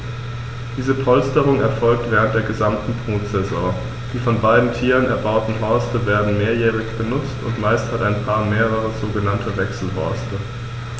Diese Polsterung erfolgt während der gesamten Brutsaison. Die von beiden Tieren erbauten Horste werden mehrjährig benutzt, und meist hat ein Paar mehrere sogenannte Wechselhorste.